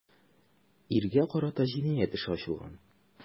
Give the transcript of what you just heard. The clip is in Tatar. Иргә карата җинаять эше ачылган.